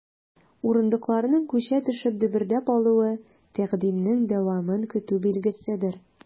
Урындыкларның, күчә төшеп, дөбердәп алуы— тәкъдимнең дәвамын көтү билгеседер.